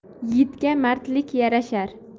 yigitga mardlik yarashar